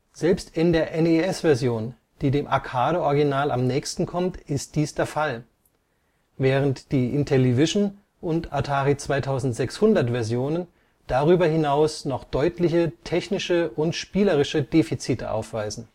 Selbst in der NES-Version, die dem Arcade-Original am nächsten kommt, ist dies der Fall, während die Intellivision - und Atari 2600-Versionen darüber hinaus noch deutliche technische und spielerische Defizite aufweisen